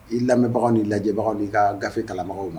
I lamɛnbagaw ni'i lajɛbagaw'i ka gafe kalabagaw ma